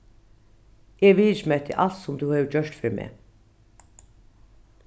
eg virðismeti alt sum tú hevur gjørt fyri meg